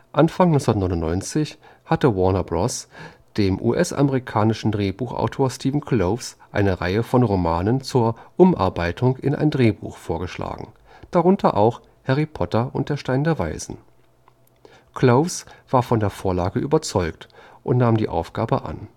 Anfang 1999 hatte Warner Bros. dem US-amerikanischen Drehbuchautor Steven Kloves eine Reihe von Romanen zur Umarbeitung in ein Drehbuch vorgeschlagen, darunter auch Harry Potter und der Stein der Weisen. Kloves war von der Vorlage überzeugt und nahm die Aufgabe an